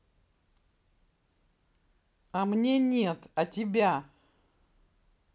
а мне нет а тебя